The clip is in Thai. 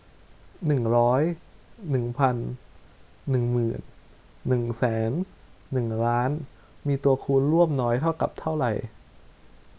หนึ่งพันห้าสิบหนึ่งร้อยเก้าสิบสี่ห้าร้อยห้าสิบมีตัวคูณร่วมน้อยเท่ากับเท่าไหร่